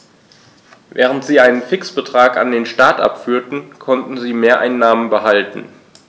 Während sie einen Fixbetrag an den Staat abführten, konnten sie Mehreinnahmen behalten.